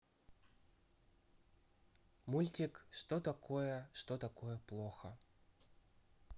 мультик что такое что такое плохо